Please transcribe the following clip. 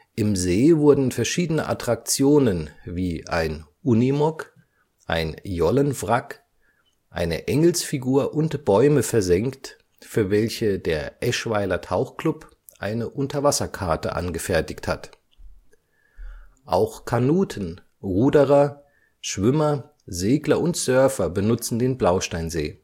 Im See wurden verschiedene Attraktionen wie ein Unimog, ein Jollenwrack, eine Engelsfigur und Bäume versenkt, für welche der Eschweiler Tauchclub eine Unterwasserkarte angefertigt hat. Auch Kanuten, Ruderer, Schwimmer, Segler und Surfer benutzen den Blausteinsee